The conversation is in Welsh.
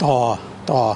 Do do.